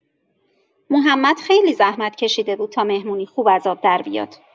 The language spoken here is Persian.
محمد خیلی زحمت‌کشیده بود تا مهمونی خوب از آب دربیاد.